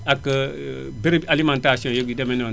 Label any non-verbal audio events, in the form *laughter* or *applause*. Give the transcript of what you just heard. ak *hesitation* bérébu alimentation yeeg yu demee noonu